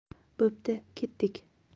bo'pti ketdik